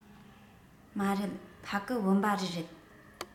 མ རེད ཕ གི བུམ པ རི རེད